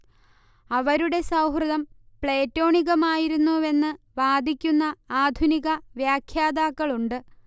അവരുടെ സൗഹൃദം പ്ലേറ്റോണികമായിരുന്നുവെന്ന് വാദിക്കുന്ന ആധുനികവ്യാഖ്യാതാക്കളുണ്ട്